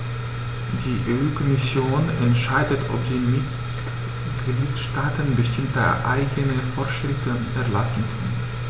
Die EU-Kommission entscheidet, ob die Mitgliedstaaten bestimmte eigene Vorschriften erlassen können.